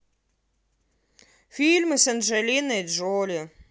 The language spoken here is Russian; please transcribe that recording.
фильмы с анджелиной джоли